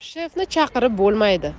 shefni chaqirib bo'lmaydi